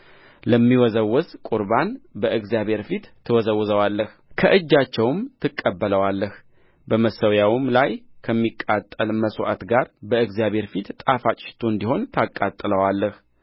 ለሚወዘወዝ ቍርባን በእግዚአብሔር ፊት ትወዘውዘዋለህ ከእጃቸውም ትቀበለዋለህ በመሠዊያውም ላይ ከሚቃጠል መሥዋዕት ጋር በእግዚአብሔር ፊት ጣፋጭ ሽቱ እንዲሆን ታቃጥለዋለህ